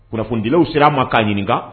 Kunnafonidilaw sera a ma k'a ɲininka